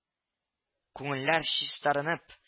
Күңелләр чистарынып